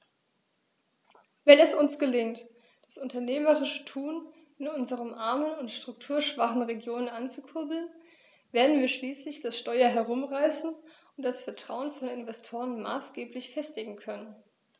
Wenn es uns gelingt, das unternehmerische Tun in unseren armen und strukturschwachen Regionen anzukurbeln, werden wir schließlich das Steuer herumreißen und das Vertrauen von Investoren maßgeblich festigen können.